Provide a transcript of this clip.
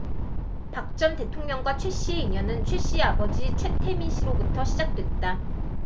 박 전 대통령과 최씨의 인연은 최씨 아버지 최태민씨로부터 시작됐다